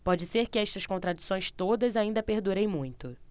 pode ser que estas contradições todas ainda perdurem muito